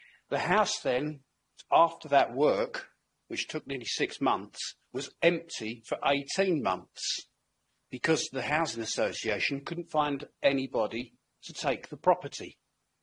The house then, after that work, which took nearly six months, was empty for eighteen months, because the housing association couldn't find anybody to take the property.